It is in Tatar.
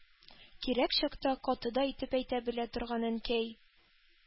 Кирәк чакта каты да итеп әйтә белә торган Әнкәй